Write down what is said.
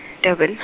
Durban.